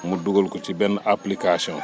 ma dugal ko ci benn application